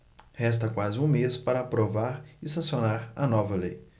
resta quase um mês para aprovar e sancionar a nova lei